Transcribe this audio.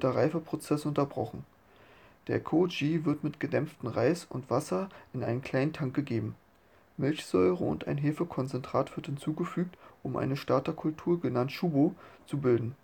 Reifeprozess unterbrochen. Der Kōji wird mit gedämpftem Reis und Wasser in einen kleinen Tank gegeben, Milchsäure und ein Hefekonzentrat wird hinzugefügt, um eine Starterkultur, genannt Shubo, zu bilden